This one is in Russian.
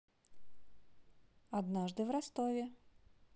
однажды в ростове